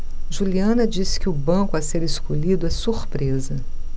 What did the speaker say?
juliana disse que o banco a ser escolhido é surpresa